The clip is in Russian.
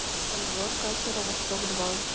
обзор катера восток два